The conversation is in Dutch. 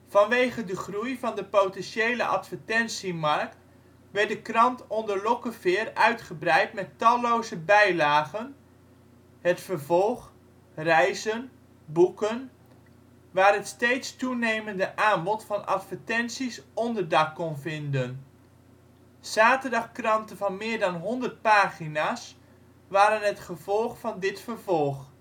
Vanwege de groei van de (potentiële) advertentiemarkt werd de krant onder Lockefeer uitgebreid met talloze bijlagen ' Het vervolg ', reizen, boeken, waar het steeds toenemende aanbod van advertenties onderdak kon vinden. Zaterdagkranten van meer dan 100 pagina 's waren het gevolg van dit Vervolg